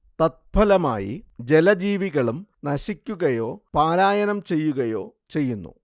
തത്ഫലമായി ജലജീവികളും നശിക്കുകയോ പലായനം ചെയ്യുകയോ ചെയ്യുന്നു